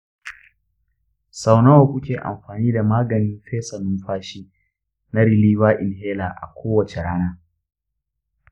sau nawa kuke amfani da maganin fesa numfashi na reliever inhaler a kowace rana?